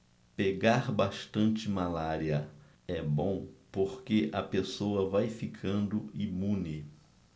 pegar bastante malária é bom porque a pessoa vai ficando imune